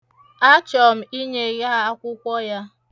Achọ m inye ya akwụkwọ ya.